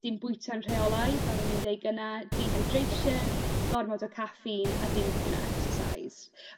Dim bwyta'n rheolaidd fel o'n i'n deud gynne, dehydration gormod o caffîn a dim digon o exercise.